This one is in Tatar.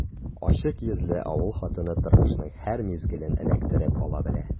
Ачык йөзле авыл хатыны тормышның һәр мизгелен эләктереп ала белә.